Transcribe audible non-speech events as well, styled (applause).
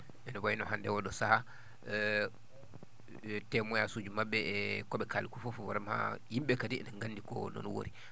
ene wayi no hannde oo ɗoo sahaa (hesitation) témoignage uji maɓɓe e e koɓe kaali ko fof vraiment yimɓe kadi ene nganndi ko noon woori